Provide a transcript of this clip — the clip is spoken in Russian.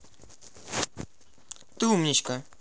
ты умничка